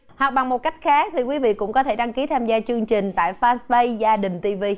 hoặc bằng một cách khác thì quý vị cũng có thể đăng ký tham gia chương trình tại phan pây gia đình ti vi